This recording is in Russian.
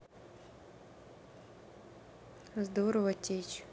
здорово течь